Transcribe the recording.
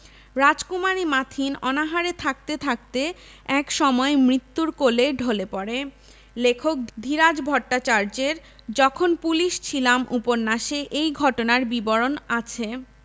রাজকুমারী মাথিন অনাহারে থাকতে থাকতে এক সময় মৃত্যুর কোলে ঢলে পড়ে লেখক ধীরাজ ভট্টাচার্যের যখন পুলিশ ছিলাম উপন্যাসে এই ঘটনার বিবরণ আছে